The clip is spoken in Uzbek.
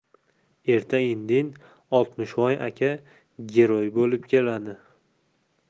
erta indin oltmishvoy aka giroy bo'lib keladi